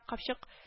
Капчык